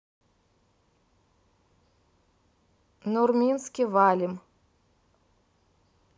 нурминский валим